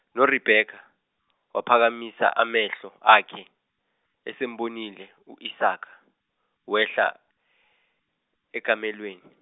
noRebeka, waphakamisa amehlo akhe, esembonile u Isaka, wehla ekamelweni.